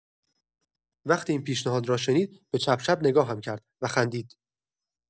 وقتی این پیشنهاد را شنید، به چپ‌چپ نگاهم کرد و خندید.